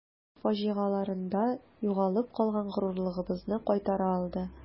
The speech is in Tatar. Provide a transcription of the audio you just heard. Тарих фаҗигаларында югалып калган горурлыгыбызны кайтара алды.